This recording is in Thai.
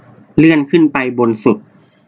เลื่อนขึ้นไปบนสุด